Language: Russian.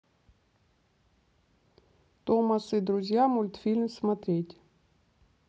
томас и друзья мультфильм смотреть